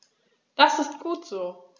Das ist gut so.